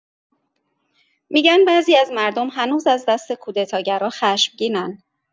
می‌گن بعضی از مردم هنوز از دست کودتاگرا خشمگینن.